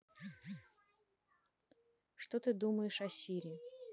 что ты думаешь о сири